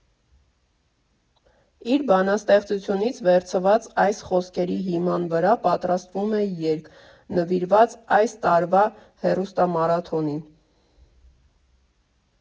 Իր բանաստեղծությունից վերցված այս խոսքերի հիման վրա պատրաստվում է երգ՝ նվիրված այս տարվա հեռուստամարաթոնին։